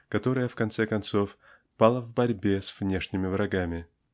которая в конце концов пала в борьбе с внешними врагами.